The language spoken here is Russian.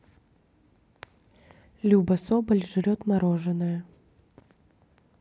люба соболь жрет мороженое